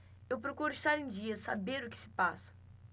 eu procuro estar em dia saber o que se passa